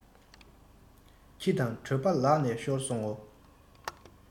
ཁྱི དང གྲོད པ ལག ནས ཤོར སོང ངོ